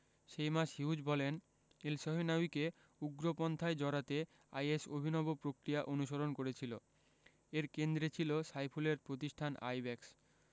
Seamus Hughes বলছেন এলসহিনাউয়িকে উগ্রপন্থায় জড়াতে আইএস অভিনব প্রক্রিয়া অনুসরণ করেছিল এর কেন্দ্রে ছিল সাইফুলের প্রতিষ্ঠান আইব্যাকস